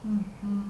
Un